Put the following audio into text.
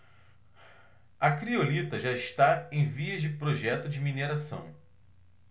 a criolita já está em vias de projeto de mineração